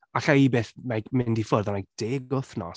alla i byth like, mynd i ffwrdd am like deg wythnos.